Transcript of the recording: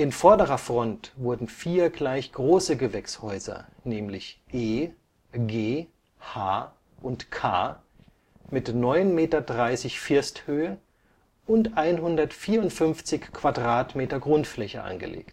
vorderer Front wurden vier gleich große Gewächshäuser (E, G, H und K) mit 9,30 Meter Firsthöhe und 154 m² Grundfläche angelegt